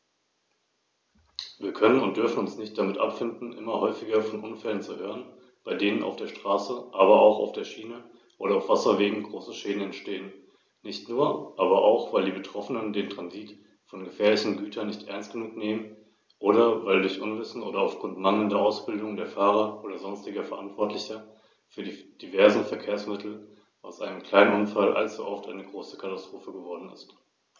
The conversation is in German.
Ich danke Frau Schroedter für den fundierten Bericht.